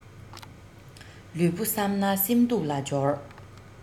ལུས པོ བསམས ན སེམས སྡུག ལ སྦྱོར